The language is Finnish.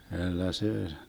kyllä se